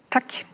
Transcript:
takk.